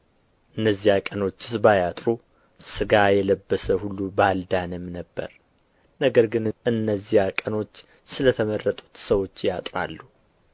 እነዚያ ቀኖችስ ባያጥሩ ሥጋ የለበሰ ሁሉ ባልዳነም ነበር ነገር ግን እነዚያ ቀኖች ስለ ተመረጡት ሰዎች ያጥራሉ